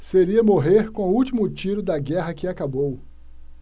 seria morrer com o último tiro da guerra que acabou